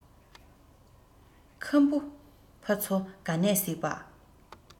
ཁམ བུ ཕ ཚོ ག ནས གཟིགས པ